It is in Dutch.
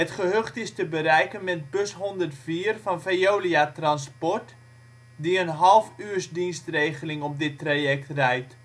gehucht is te bereiken met bus 104 van Veolia Transport, die een halfuursdienstregeling op dit traject rijdt